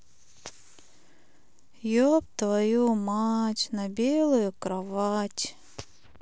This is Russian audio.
еб твою мать на белую кровать